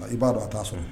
I b'a dɔn a t'a sɔrɔ